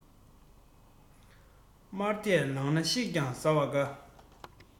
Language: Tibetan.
དམར དད ལངས ན ཤིག ཀྱང ཟ བ དགའ